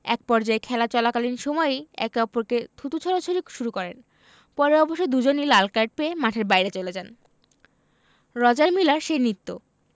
একপর্যায়ে খেলা চলাকালীন সময়েই একে অপরকে থুতু ছোড়াছুড়ি শুরু করেন পরে অবশ্য দুজনই লাল কার্ড পেয়ে মাঠের বাইরে চলে যান রজার মিলার সেই নৃত্য